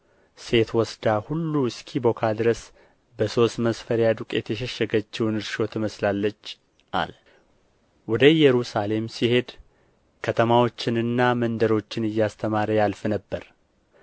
ሴት ወስዳ ሁሉ እስኪቦካ ድረስ በሦስት መስፈሪያ ዱቄት የሸሸገችውን እርሾ ትመስላለች አለ ወደ ኢየሩሳሌም ሲሄድ ከተማዎችንና መንደሮችን እያስተማረ ያልፍ ነበር